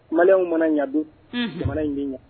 Maliw mana ɲadi in ɲɛ ɲɛ